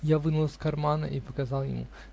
Я вынул из кармана и показал ему.